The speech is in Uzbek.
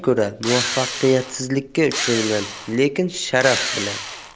ko'ra muvaffaqiyatsizlikka uchrayman lekin sharaf bilan